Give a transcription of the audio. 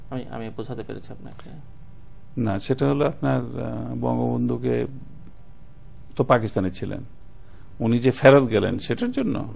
আমি বোঝাতে পেরেছি আপনাকে না সেটা হলো আপনার বঙ্গবন্ধুকে তো পাকিস্থানে ছিলেন উনি যে ফেরত গেলেন সেটার জন্য